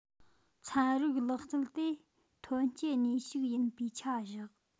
ཚན རིག ལག རྩལ དེ ཐོན སྐྱེད ནུས ཤུགས ཡིན པའི ཆ བཞག